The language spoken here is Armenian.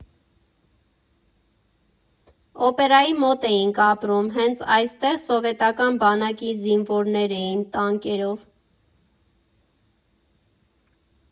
Օպերայի մոտ էինք ապրում, հենց այստեղ սովետական բանակի զինվորներ էին տանկերով։